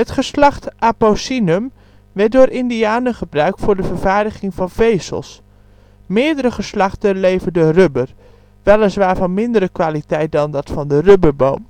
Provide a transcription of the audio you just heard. geslacht Apocynum werd door Indianen gebruikt voor de vervaardiging van vezels. Meerdere geslachten leverden rubber, weliswaar van mindere kwaliteit dan dat van de rubberboom